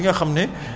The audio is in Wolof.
waw nga ñu ko